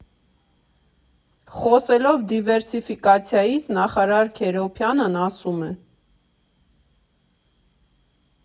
Խոսելով դիվերսիֆիկայից՝ նախարար Քերոբյանն ասում է.